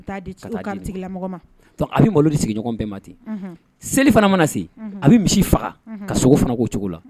Sigima seli mana se a bɛ misi faga ka sogo cogo la